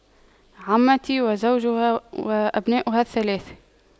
عمتي وزوجها وأبناؤها الثلاثة